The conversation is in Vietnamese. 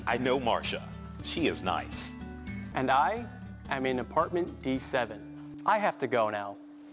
ai nâu mon sờ chia nai èn đai em min bót mưn đi xe vừn ai hép tu gâu nao